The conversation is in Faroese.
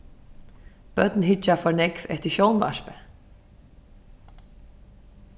børn hyggja for nógv eftir sjónvarpi